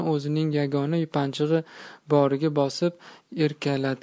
o'zining yagona yupanchig'ini bag'riga bosib bosib erkalatgisi